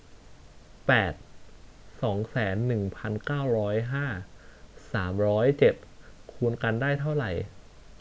แปดสองแสนหนึ่งพันเก้าร้อยห้าสามร้อยเจ็ดคูณกันได้เท่าไหร่